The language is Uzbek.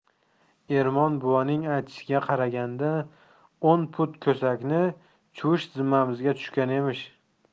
ermon buvaning aytishiga qaraganda o'n pud ko'sakni chuvish zimmamizga tushgan emish